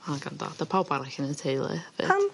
A gan dad a pawb arall yn y teulu 'fyd. Pam...